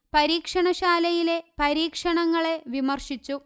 പരീക്ഷണശാലയിലെ പരീക്ഷണങ്ങളെ വിമർശിച്ചു